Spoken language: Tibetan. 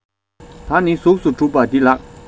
ད ནི གཟུགས སུ གྲུབ པ འདི ལགས